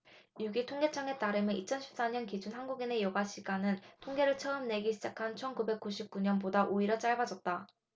육 일 통계청에 따르면 이천 십 사 년 기준 한국인의 여가 시간은 통계를 처음 내기 시작한 천 구백 구십 구 년보다 오히려 짧아졌다